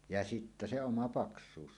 ja sitten se oma paksuus